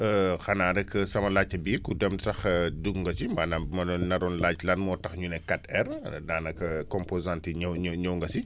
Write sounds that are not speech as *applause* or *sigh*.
*hesitation* xanaa rek sama laajte bi ku dem sax *hesitation* dugg nga ci maanaam bu ma la naroon laaj lan moo tax ñu ne 4R daanaka composantes yi ñëw ñëw ñëw nga si